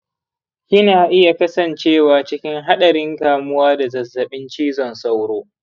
kina iya kasancewa cikin haɗarin kamuwa da zazzabin cizon sauro.